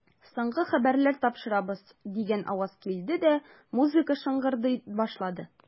Соңгы хәбәрләр тапшырабыз, дигән аваз килде дә, музыка шыңгырдый башлады.